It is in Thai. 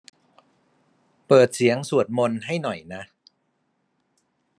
เปิดเสียงสวดมนต์ให้หน่อยนะ